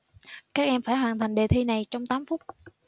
các em phải hoàn thành đề thi này trong tám phút